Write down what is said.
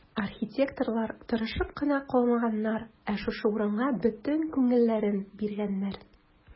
Архитекторлар тырышып кына калмаганнар, ә шушы урынга бөтен күңелләрен биргәннәр.